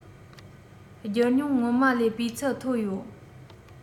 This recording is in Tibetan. སྒྱུར མྱོང སྔོན མ ལས སྤུས ཚད མཐོ ཡོད